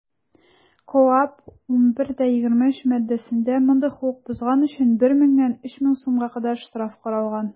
КоАП 11.23 маддәсендә мондый хокук бозган өчен 1 меңнән 3 мең сумга кадәр штраф каралган.